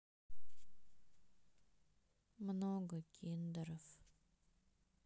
много киндеров